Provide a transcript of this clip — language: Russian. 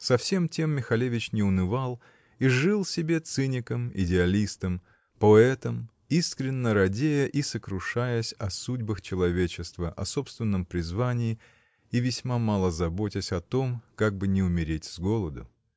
Со всем тем Михалевич не унывал и жил себе циником, идеалистом, поэтом, искренно радея и сокрушаясь о судьбах человечества, о собственном призвании -- и весьма мало заботясь о том, как бы не умереть с голоду.